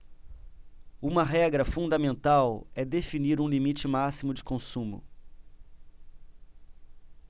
uma regra fundamental é definir um limite máximo de consumo